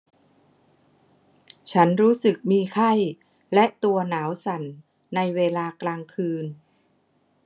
ฉันรู้สึกมีไข้และตัวหนาวสั่นในเวลากลางคืน